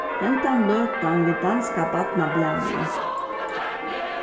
hendan løtan við danska barnablaðnum